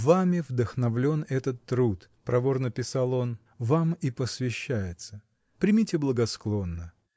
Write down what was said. вами вдохновлен этот труд, — проворно писал он, — вам и посвящается! Примите благосклонно.